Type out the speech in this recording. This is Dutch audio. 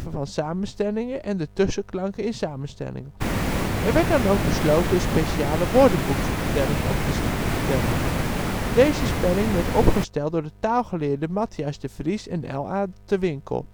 van samenstellingen, en de tussenklanken in samenstellingen. Er werd dan ook besloten een speciale woordenboekspelling op te stellen. Deze spelling werd opgesteld door de taalgeleerden Matthias de Vries en L.A. te Winkel